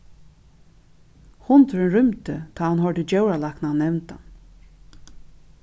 hundurin rýmdi tá hann hoyrdi djóralæknan nevndan